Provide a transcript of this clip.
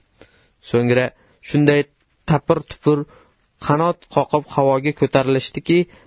so'ngra shunday tapir tupur qanot qoqib havoga ko'tarilishdiki